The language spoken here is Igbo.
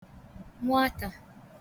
nwatà